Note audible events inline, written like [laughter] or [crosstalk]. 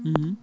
[hesitation] [hesitation]